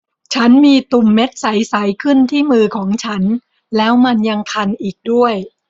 ฉันมีตุ่มเม็ดใสใสขึ้นที่มือของฉันแล้วมันยังคันอีกด้วย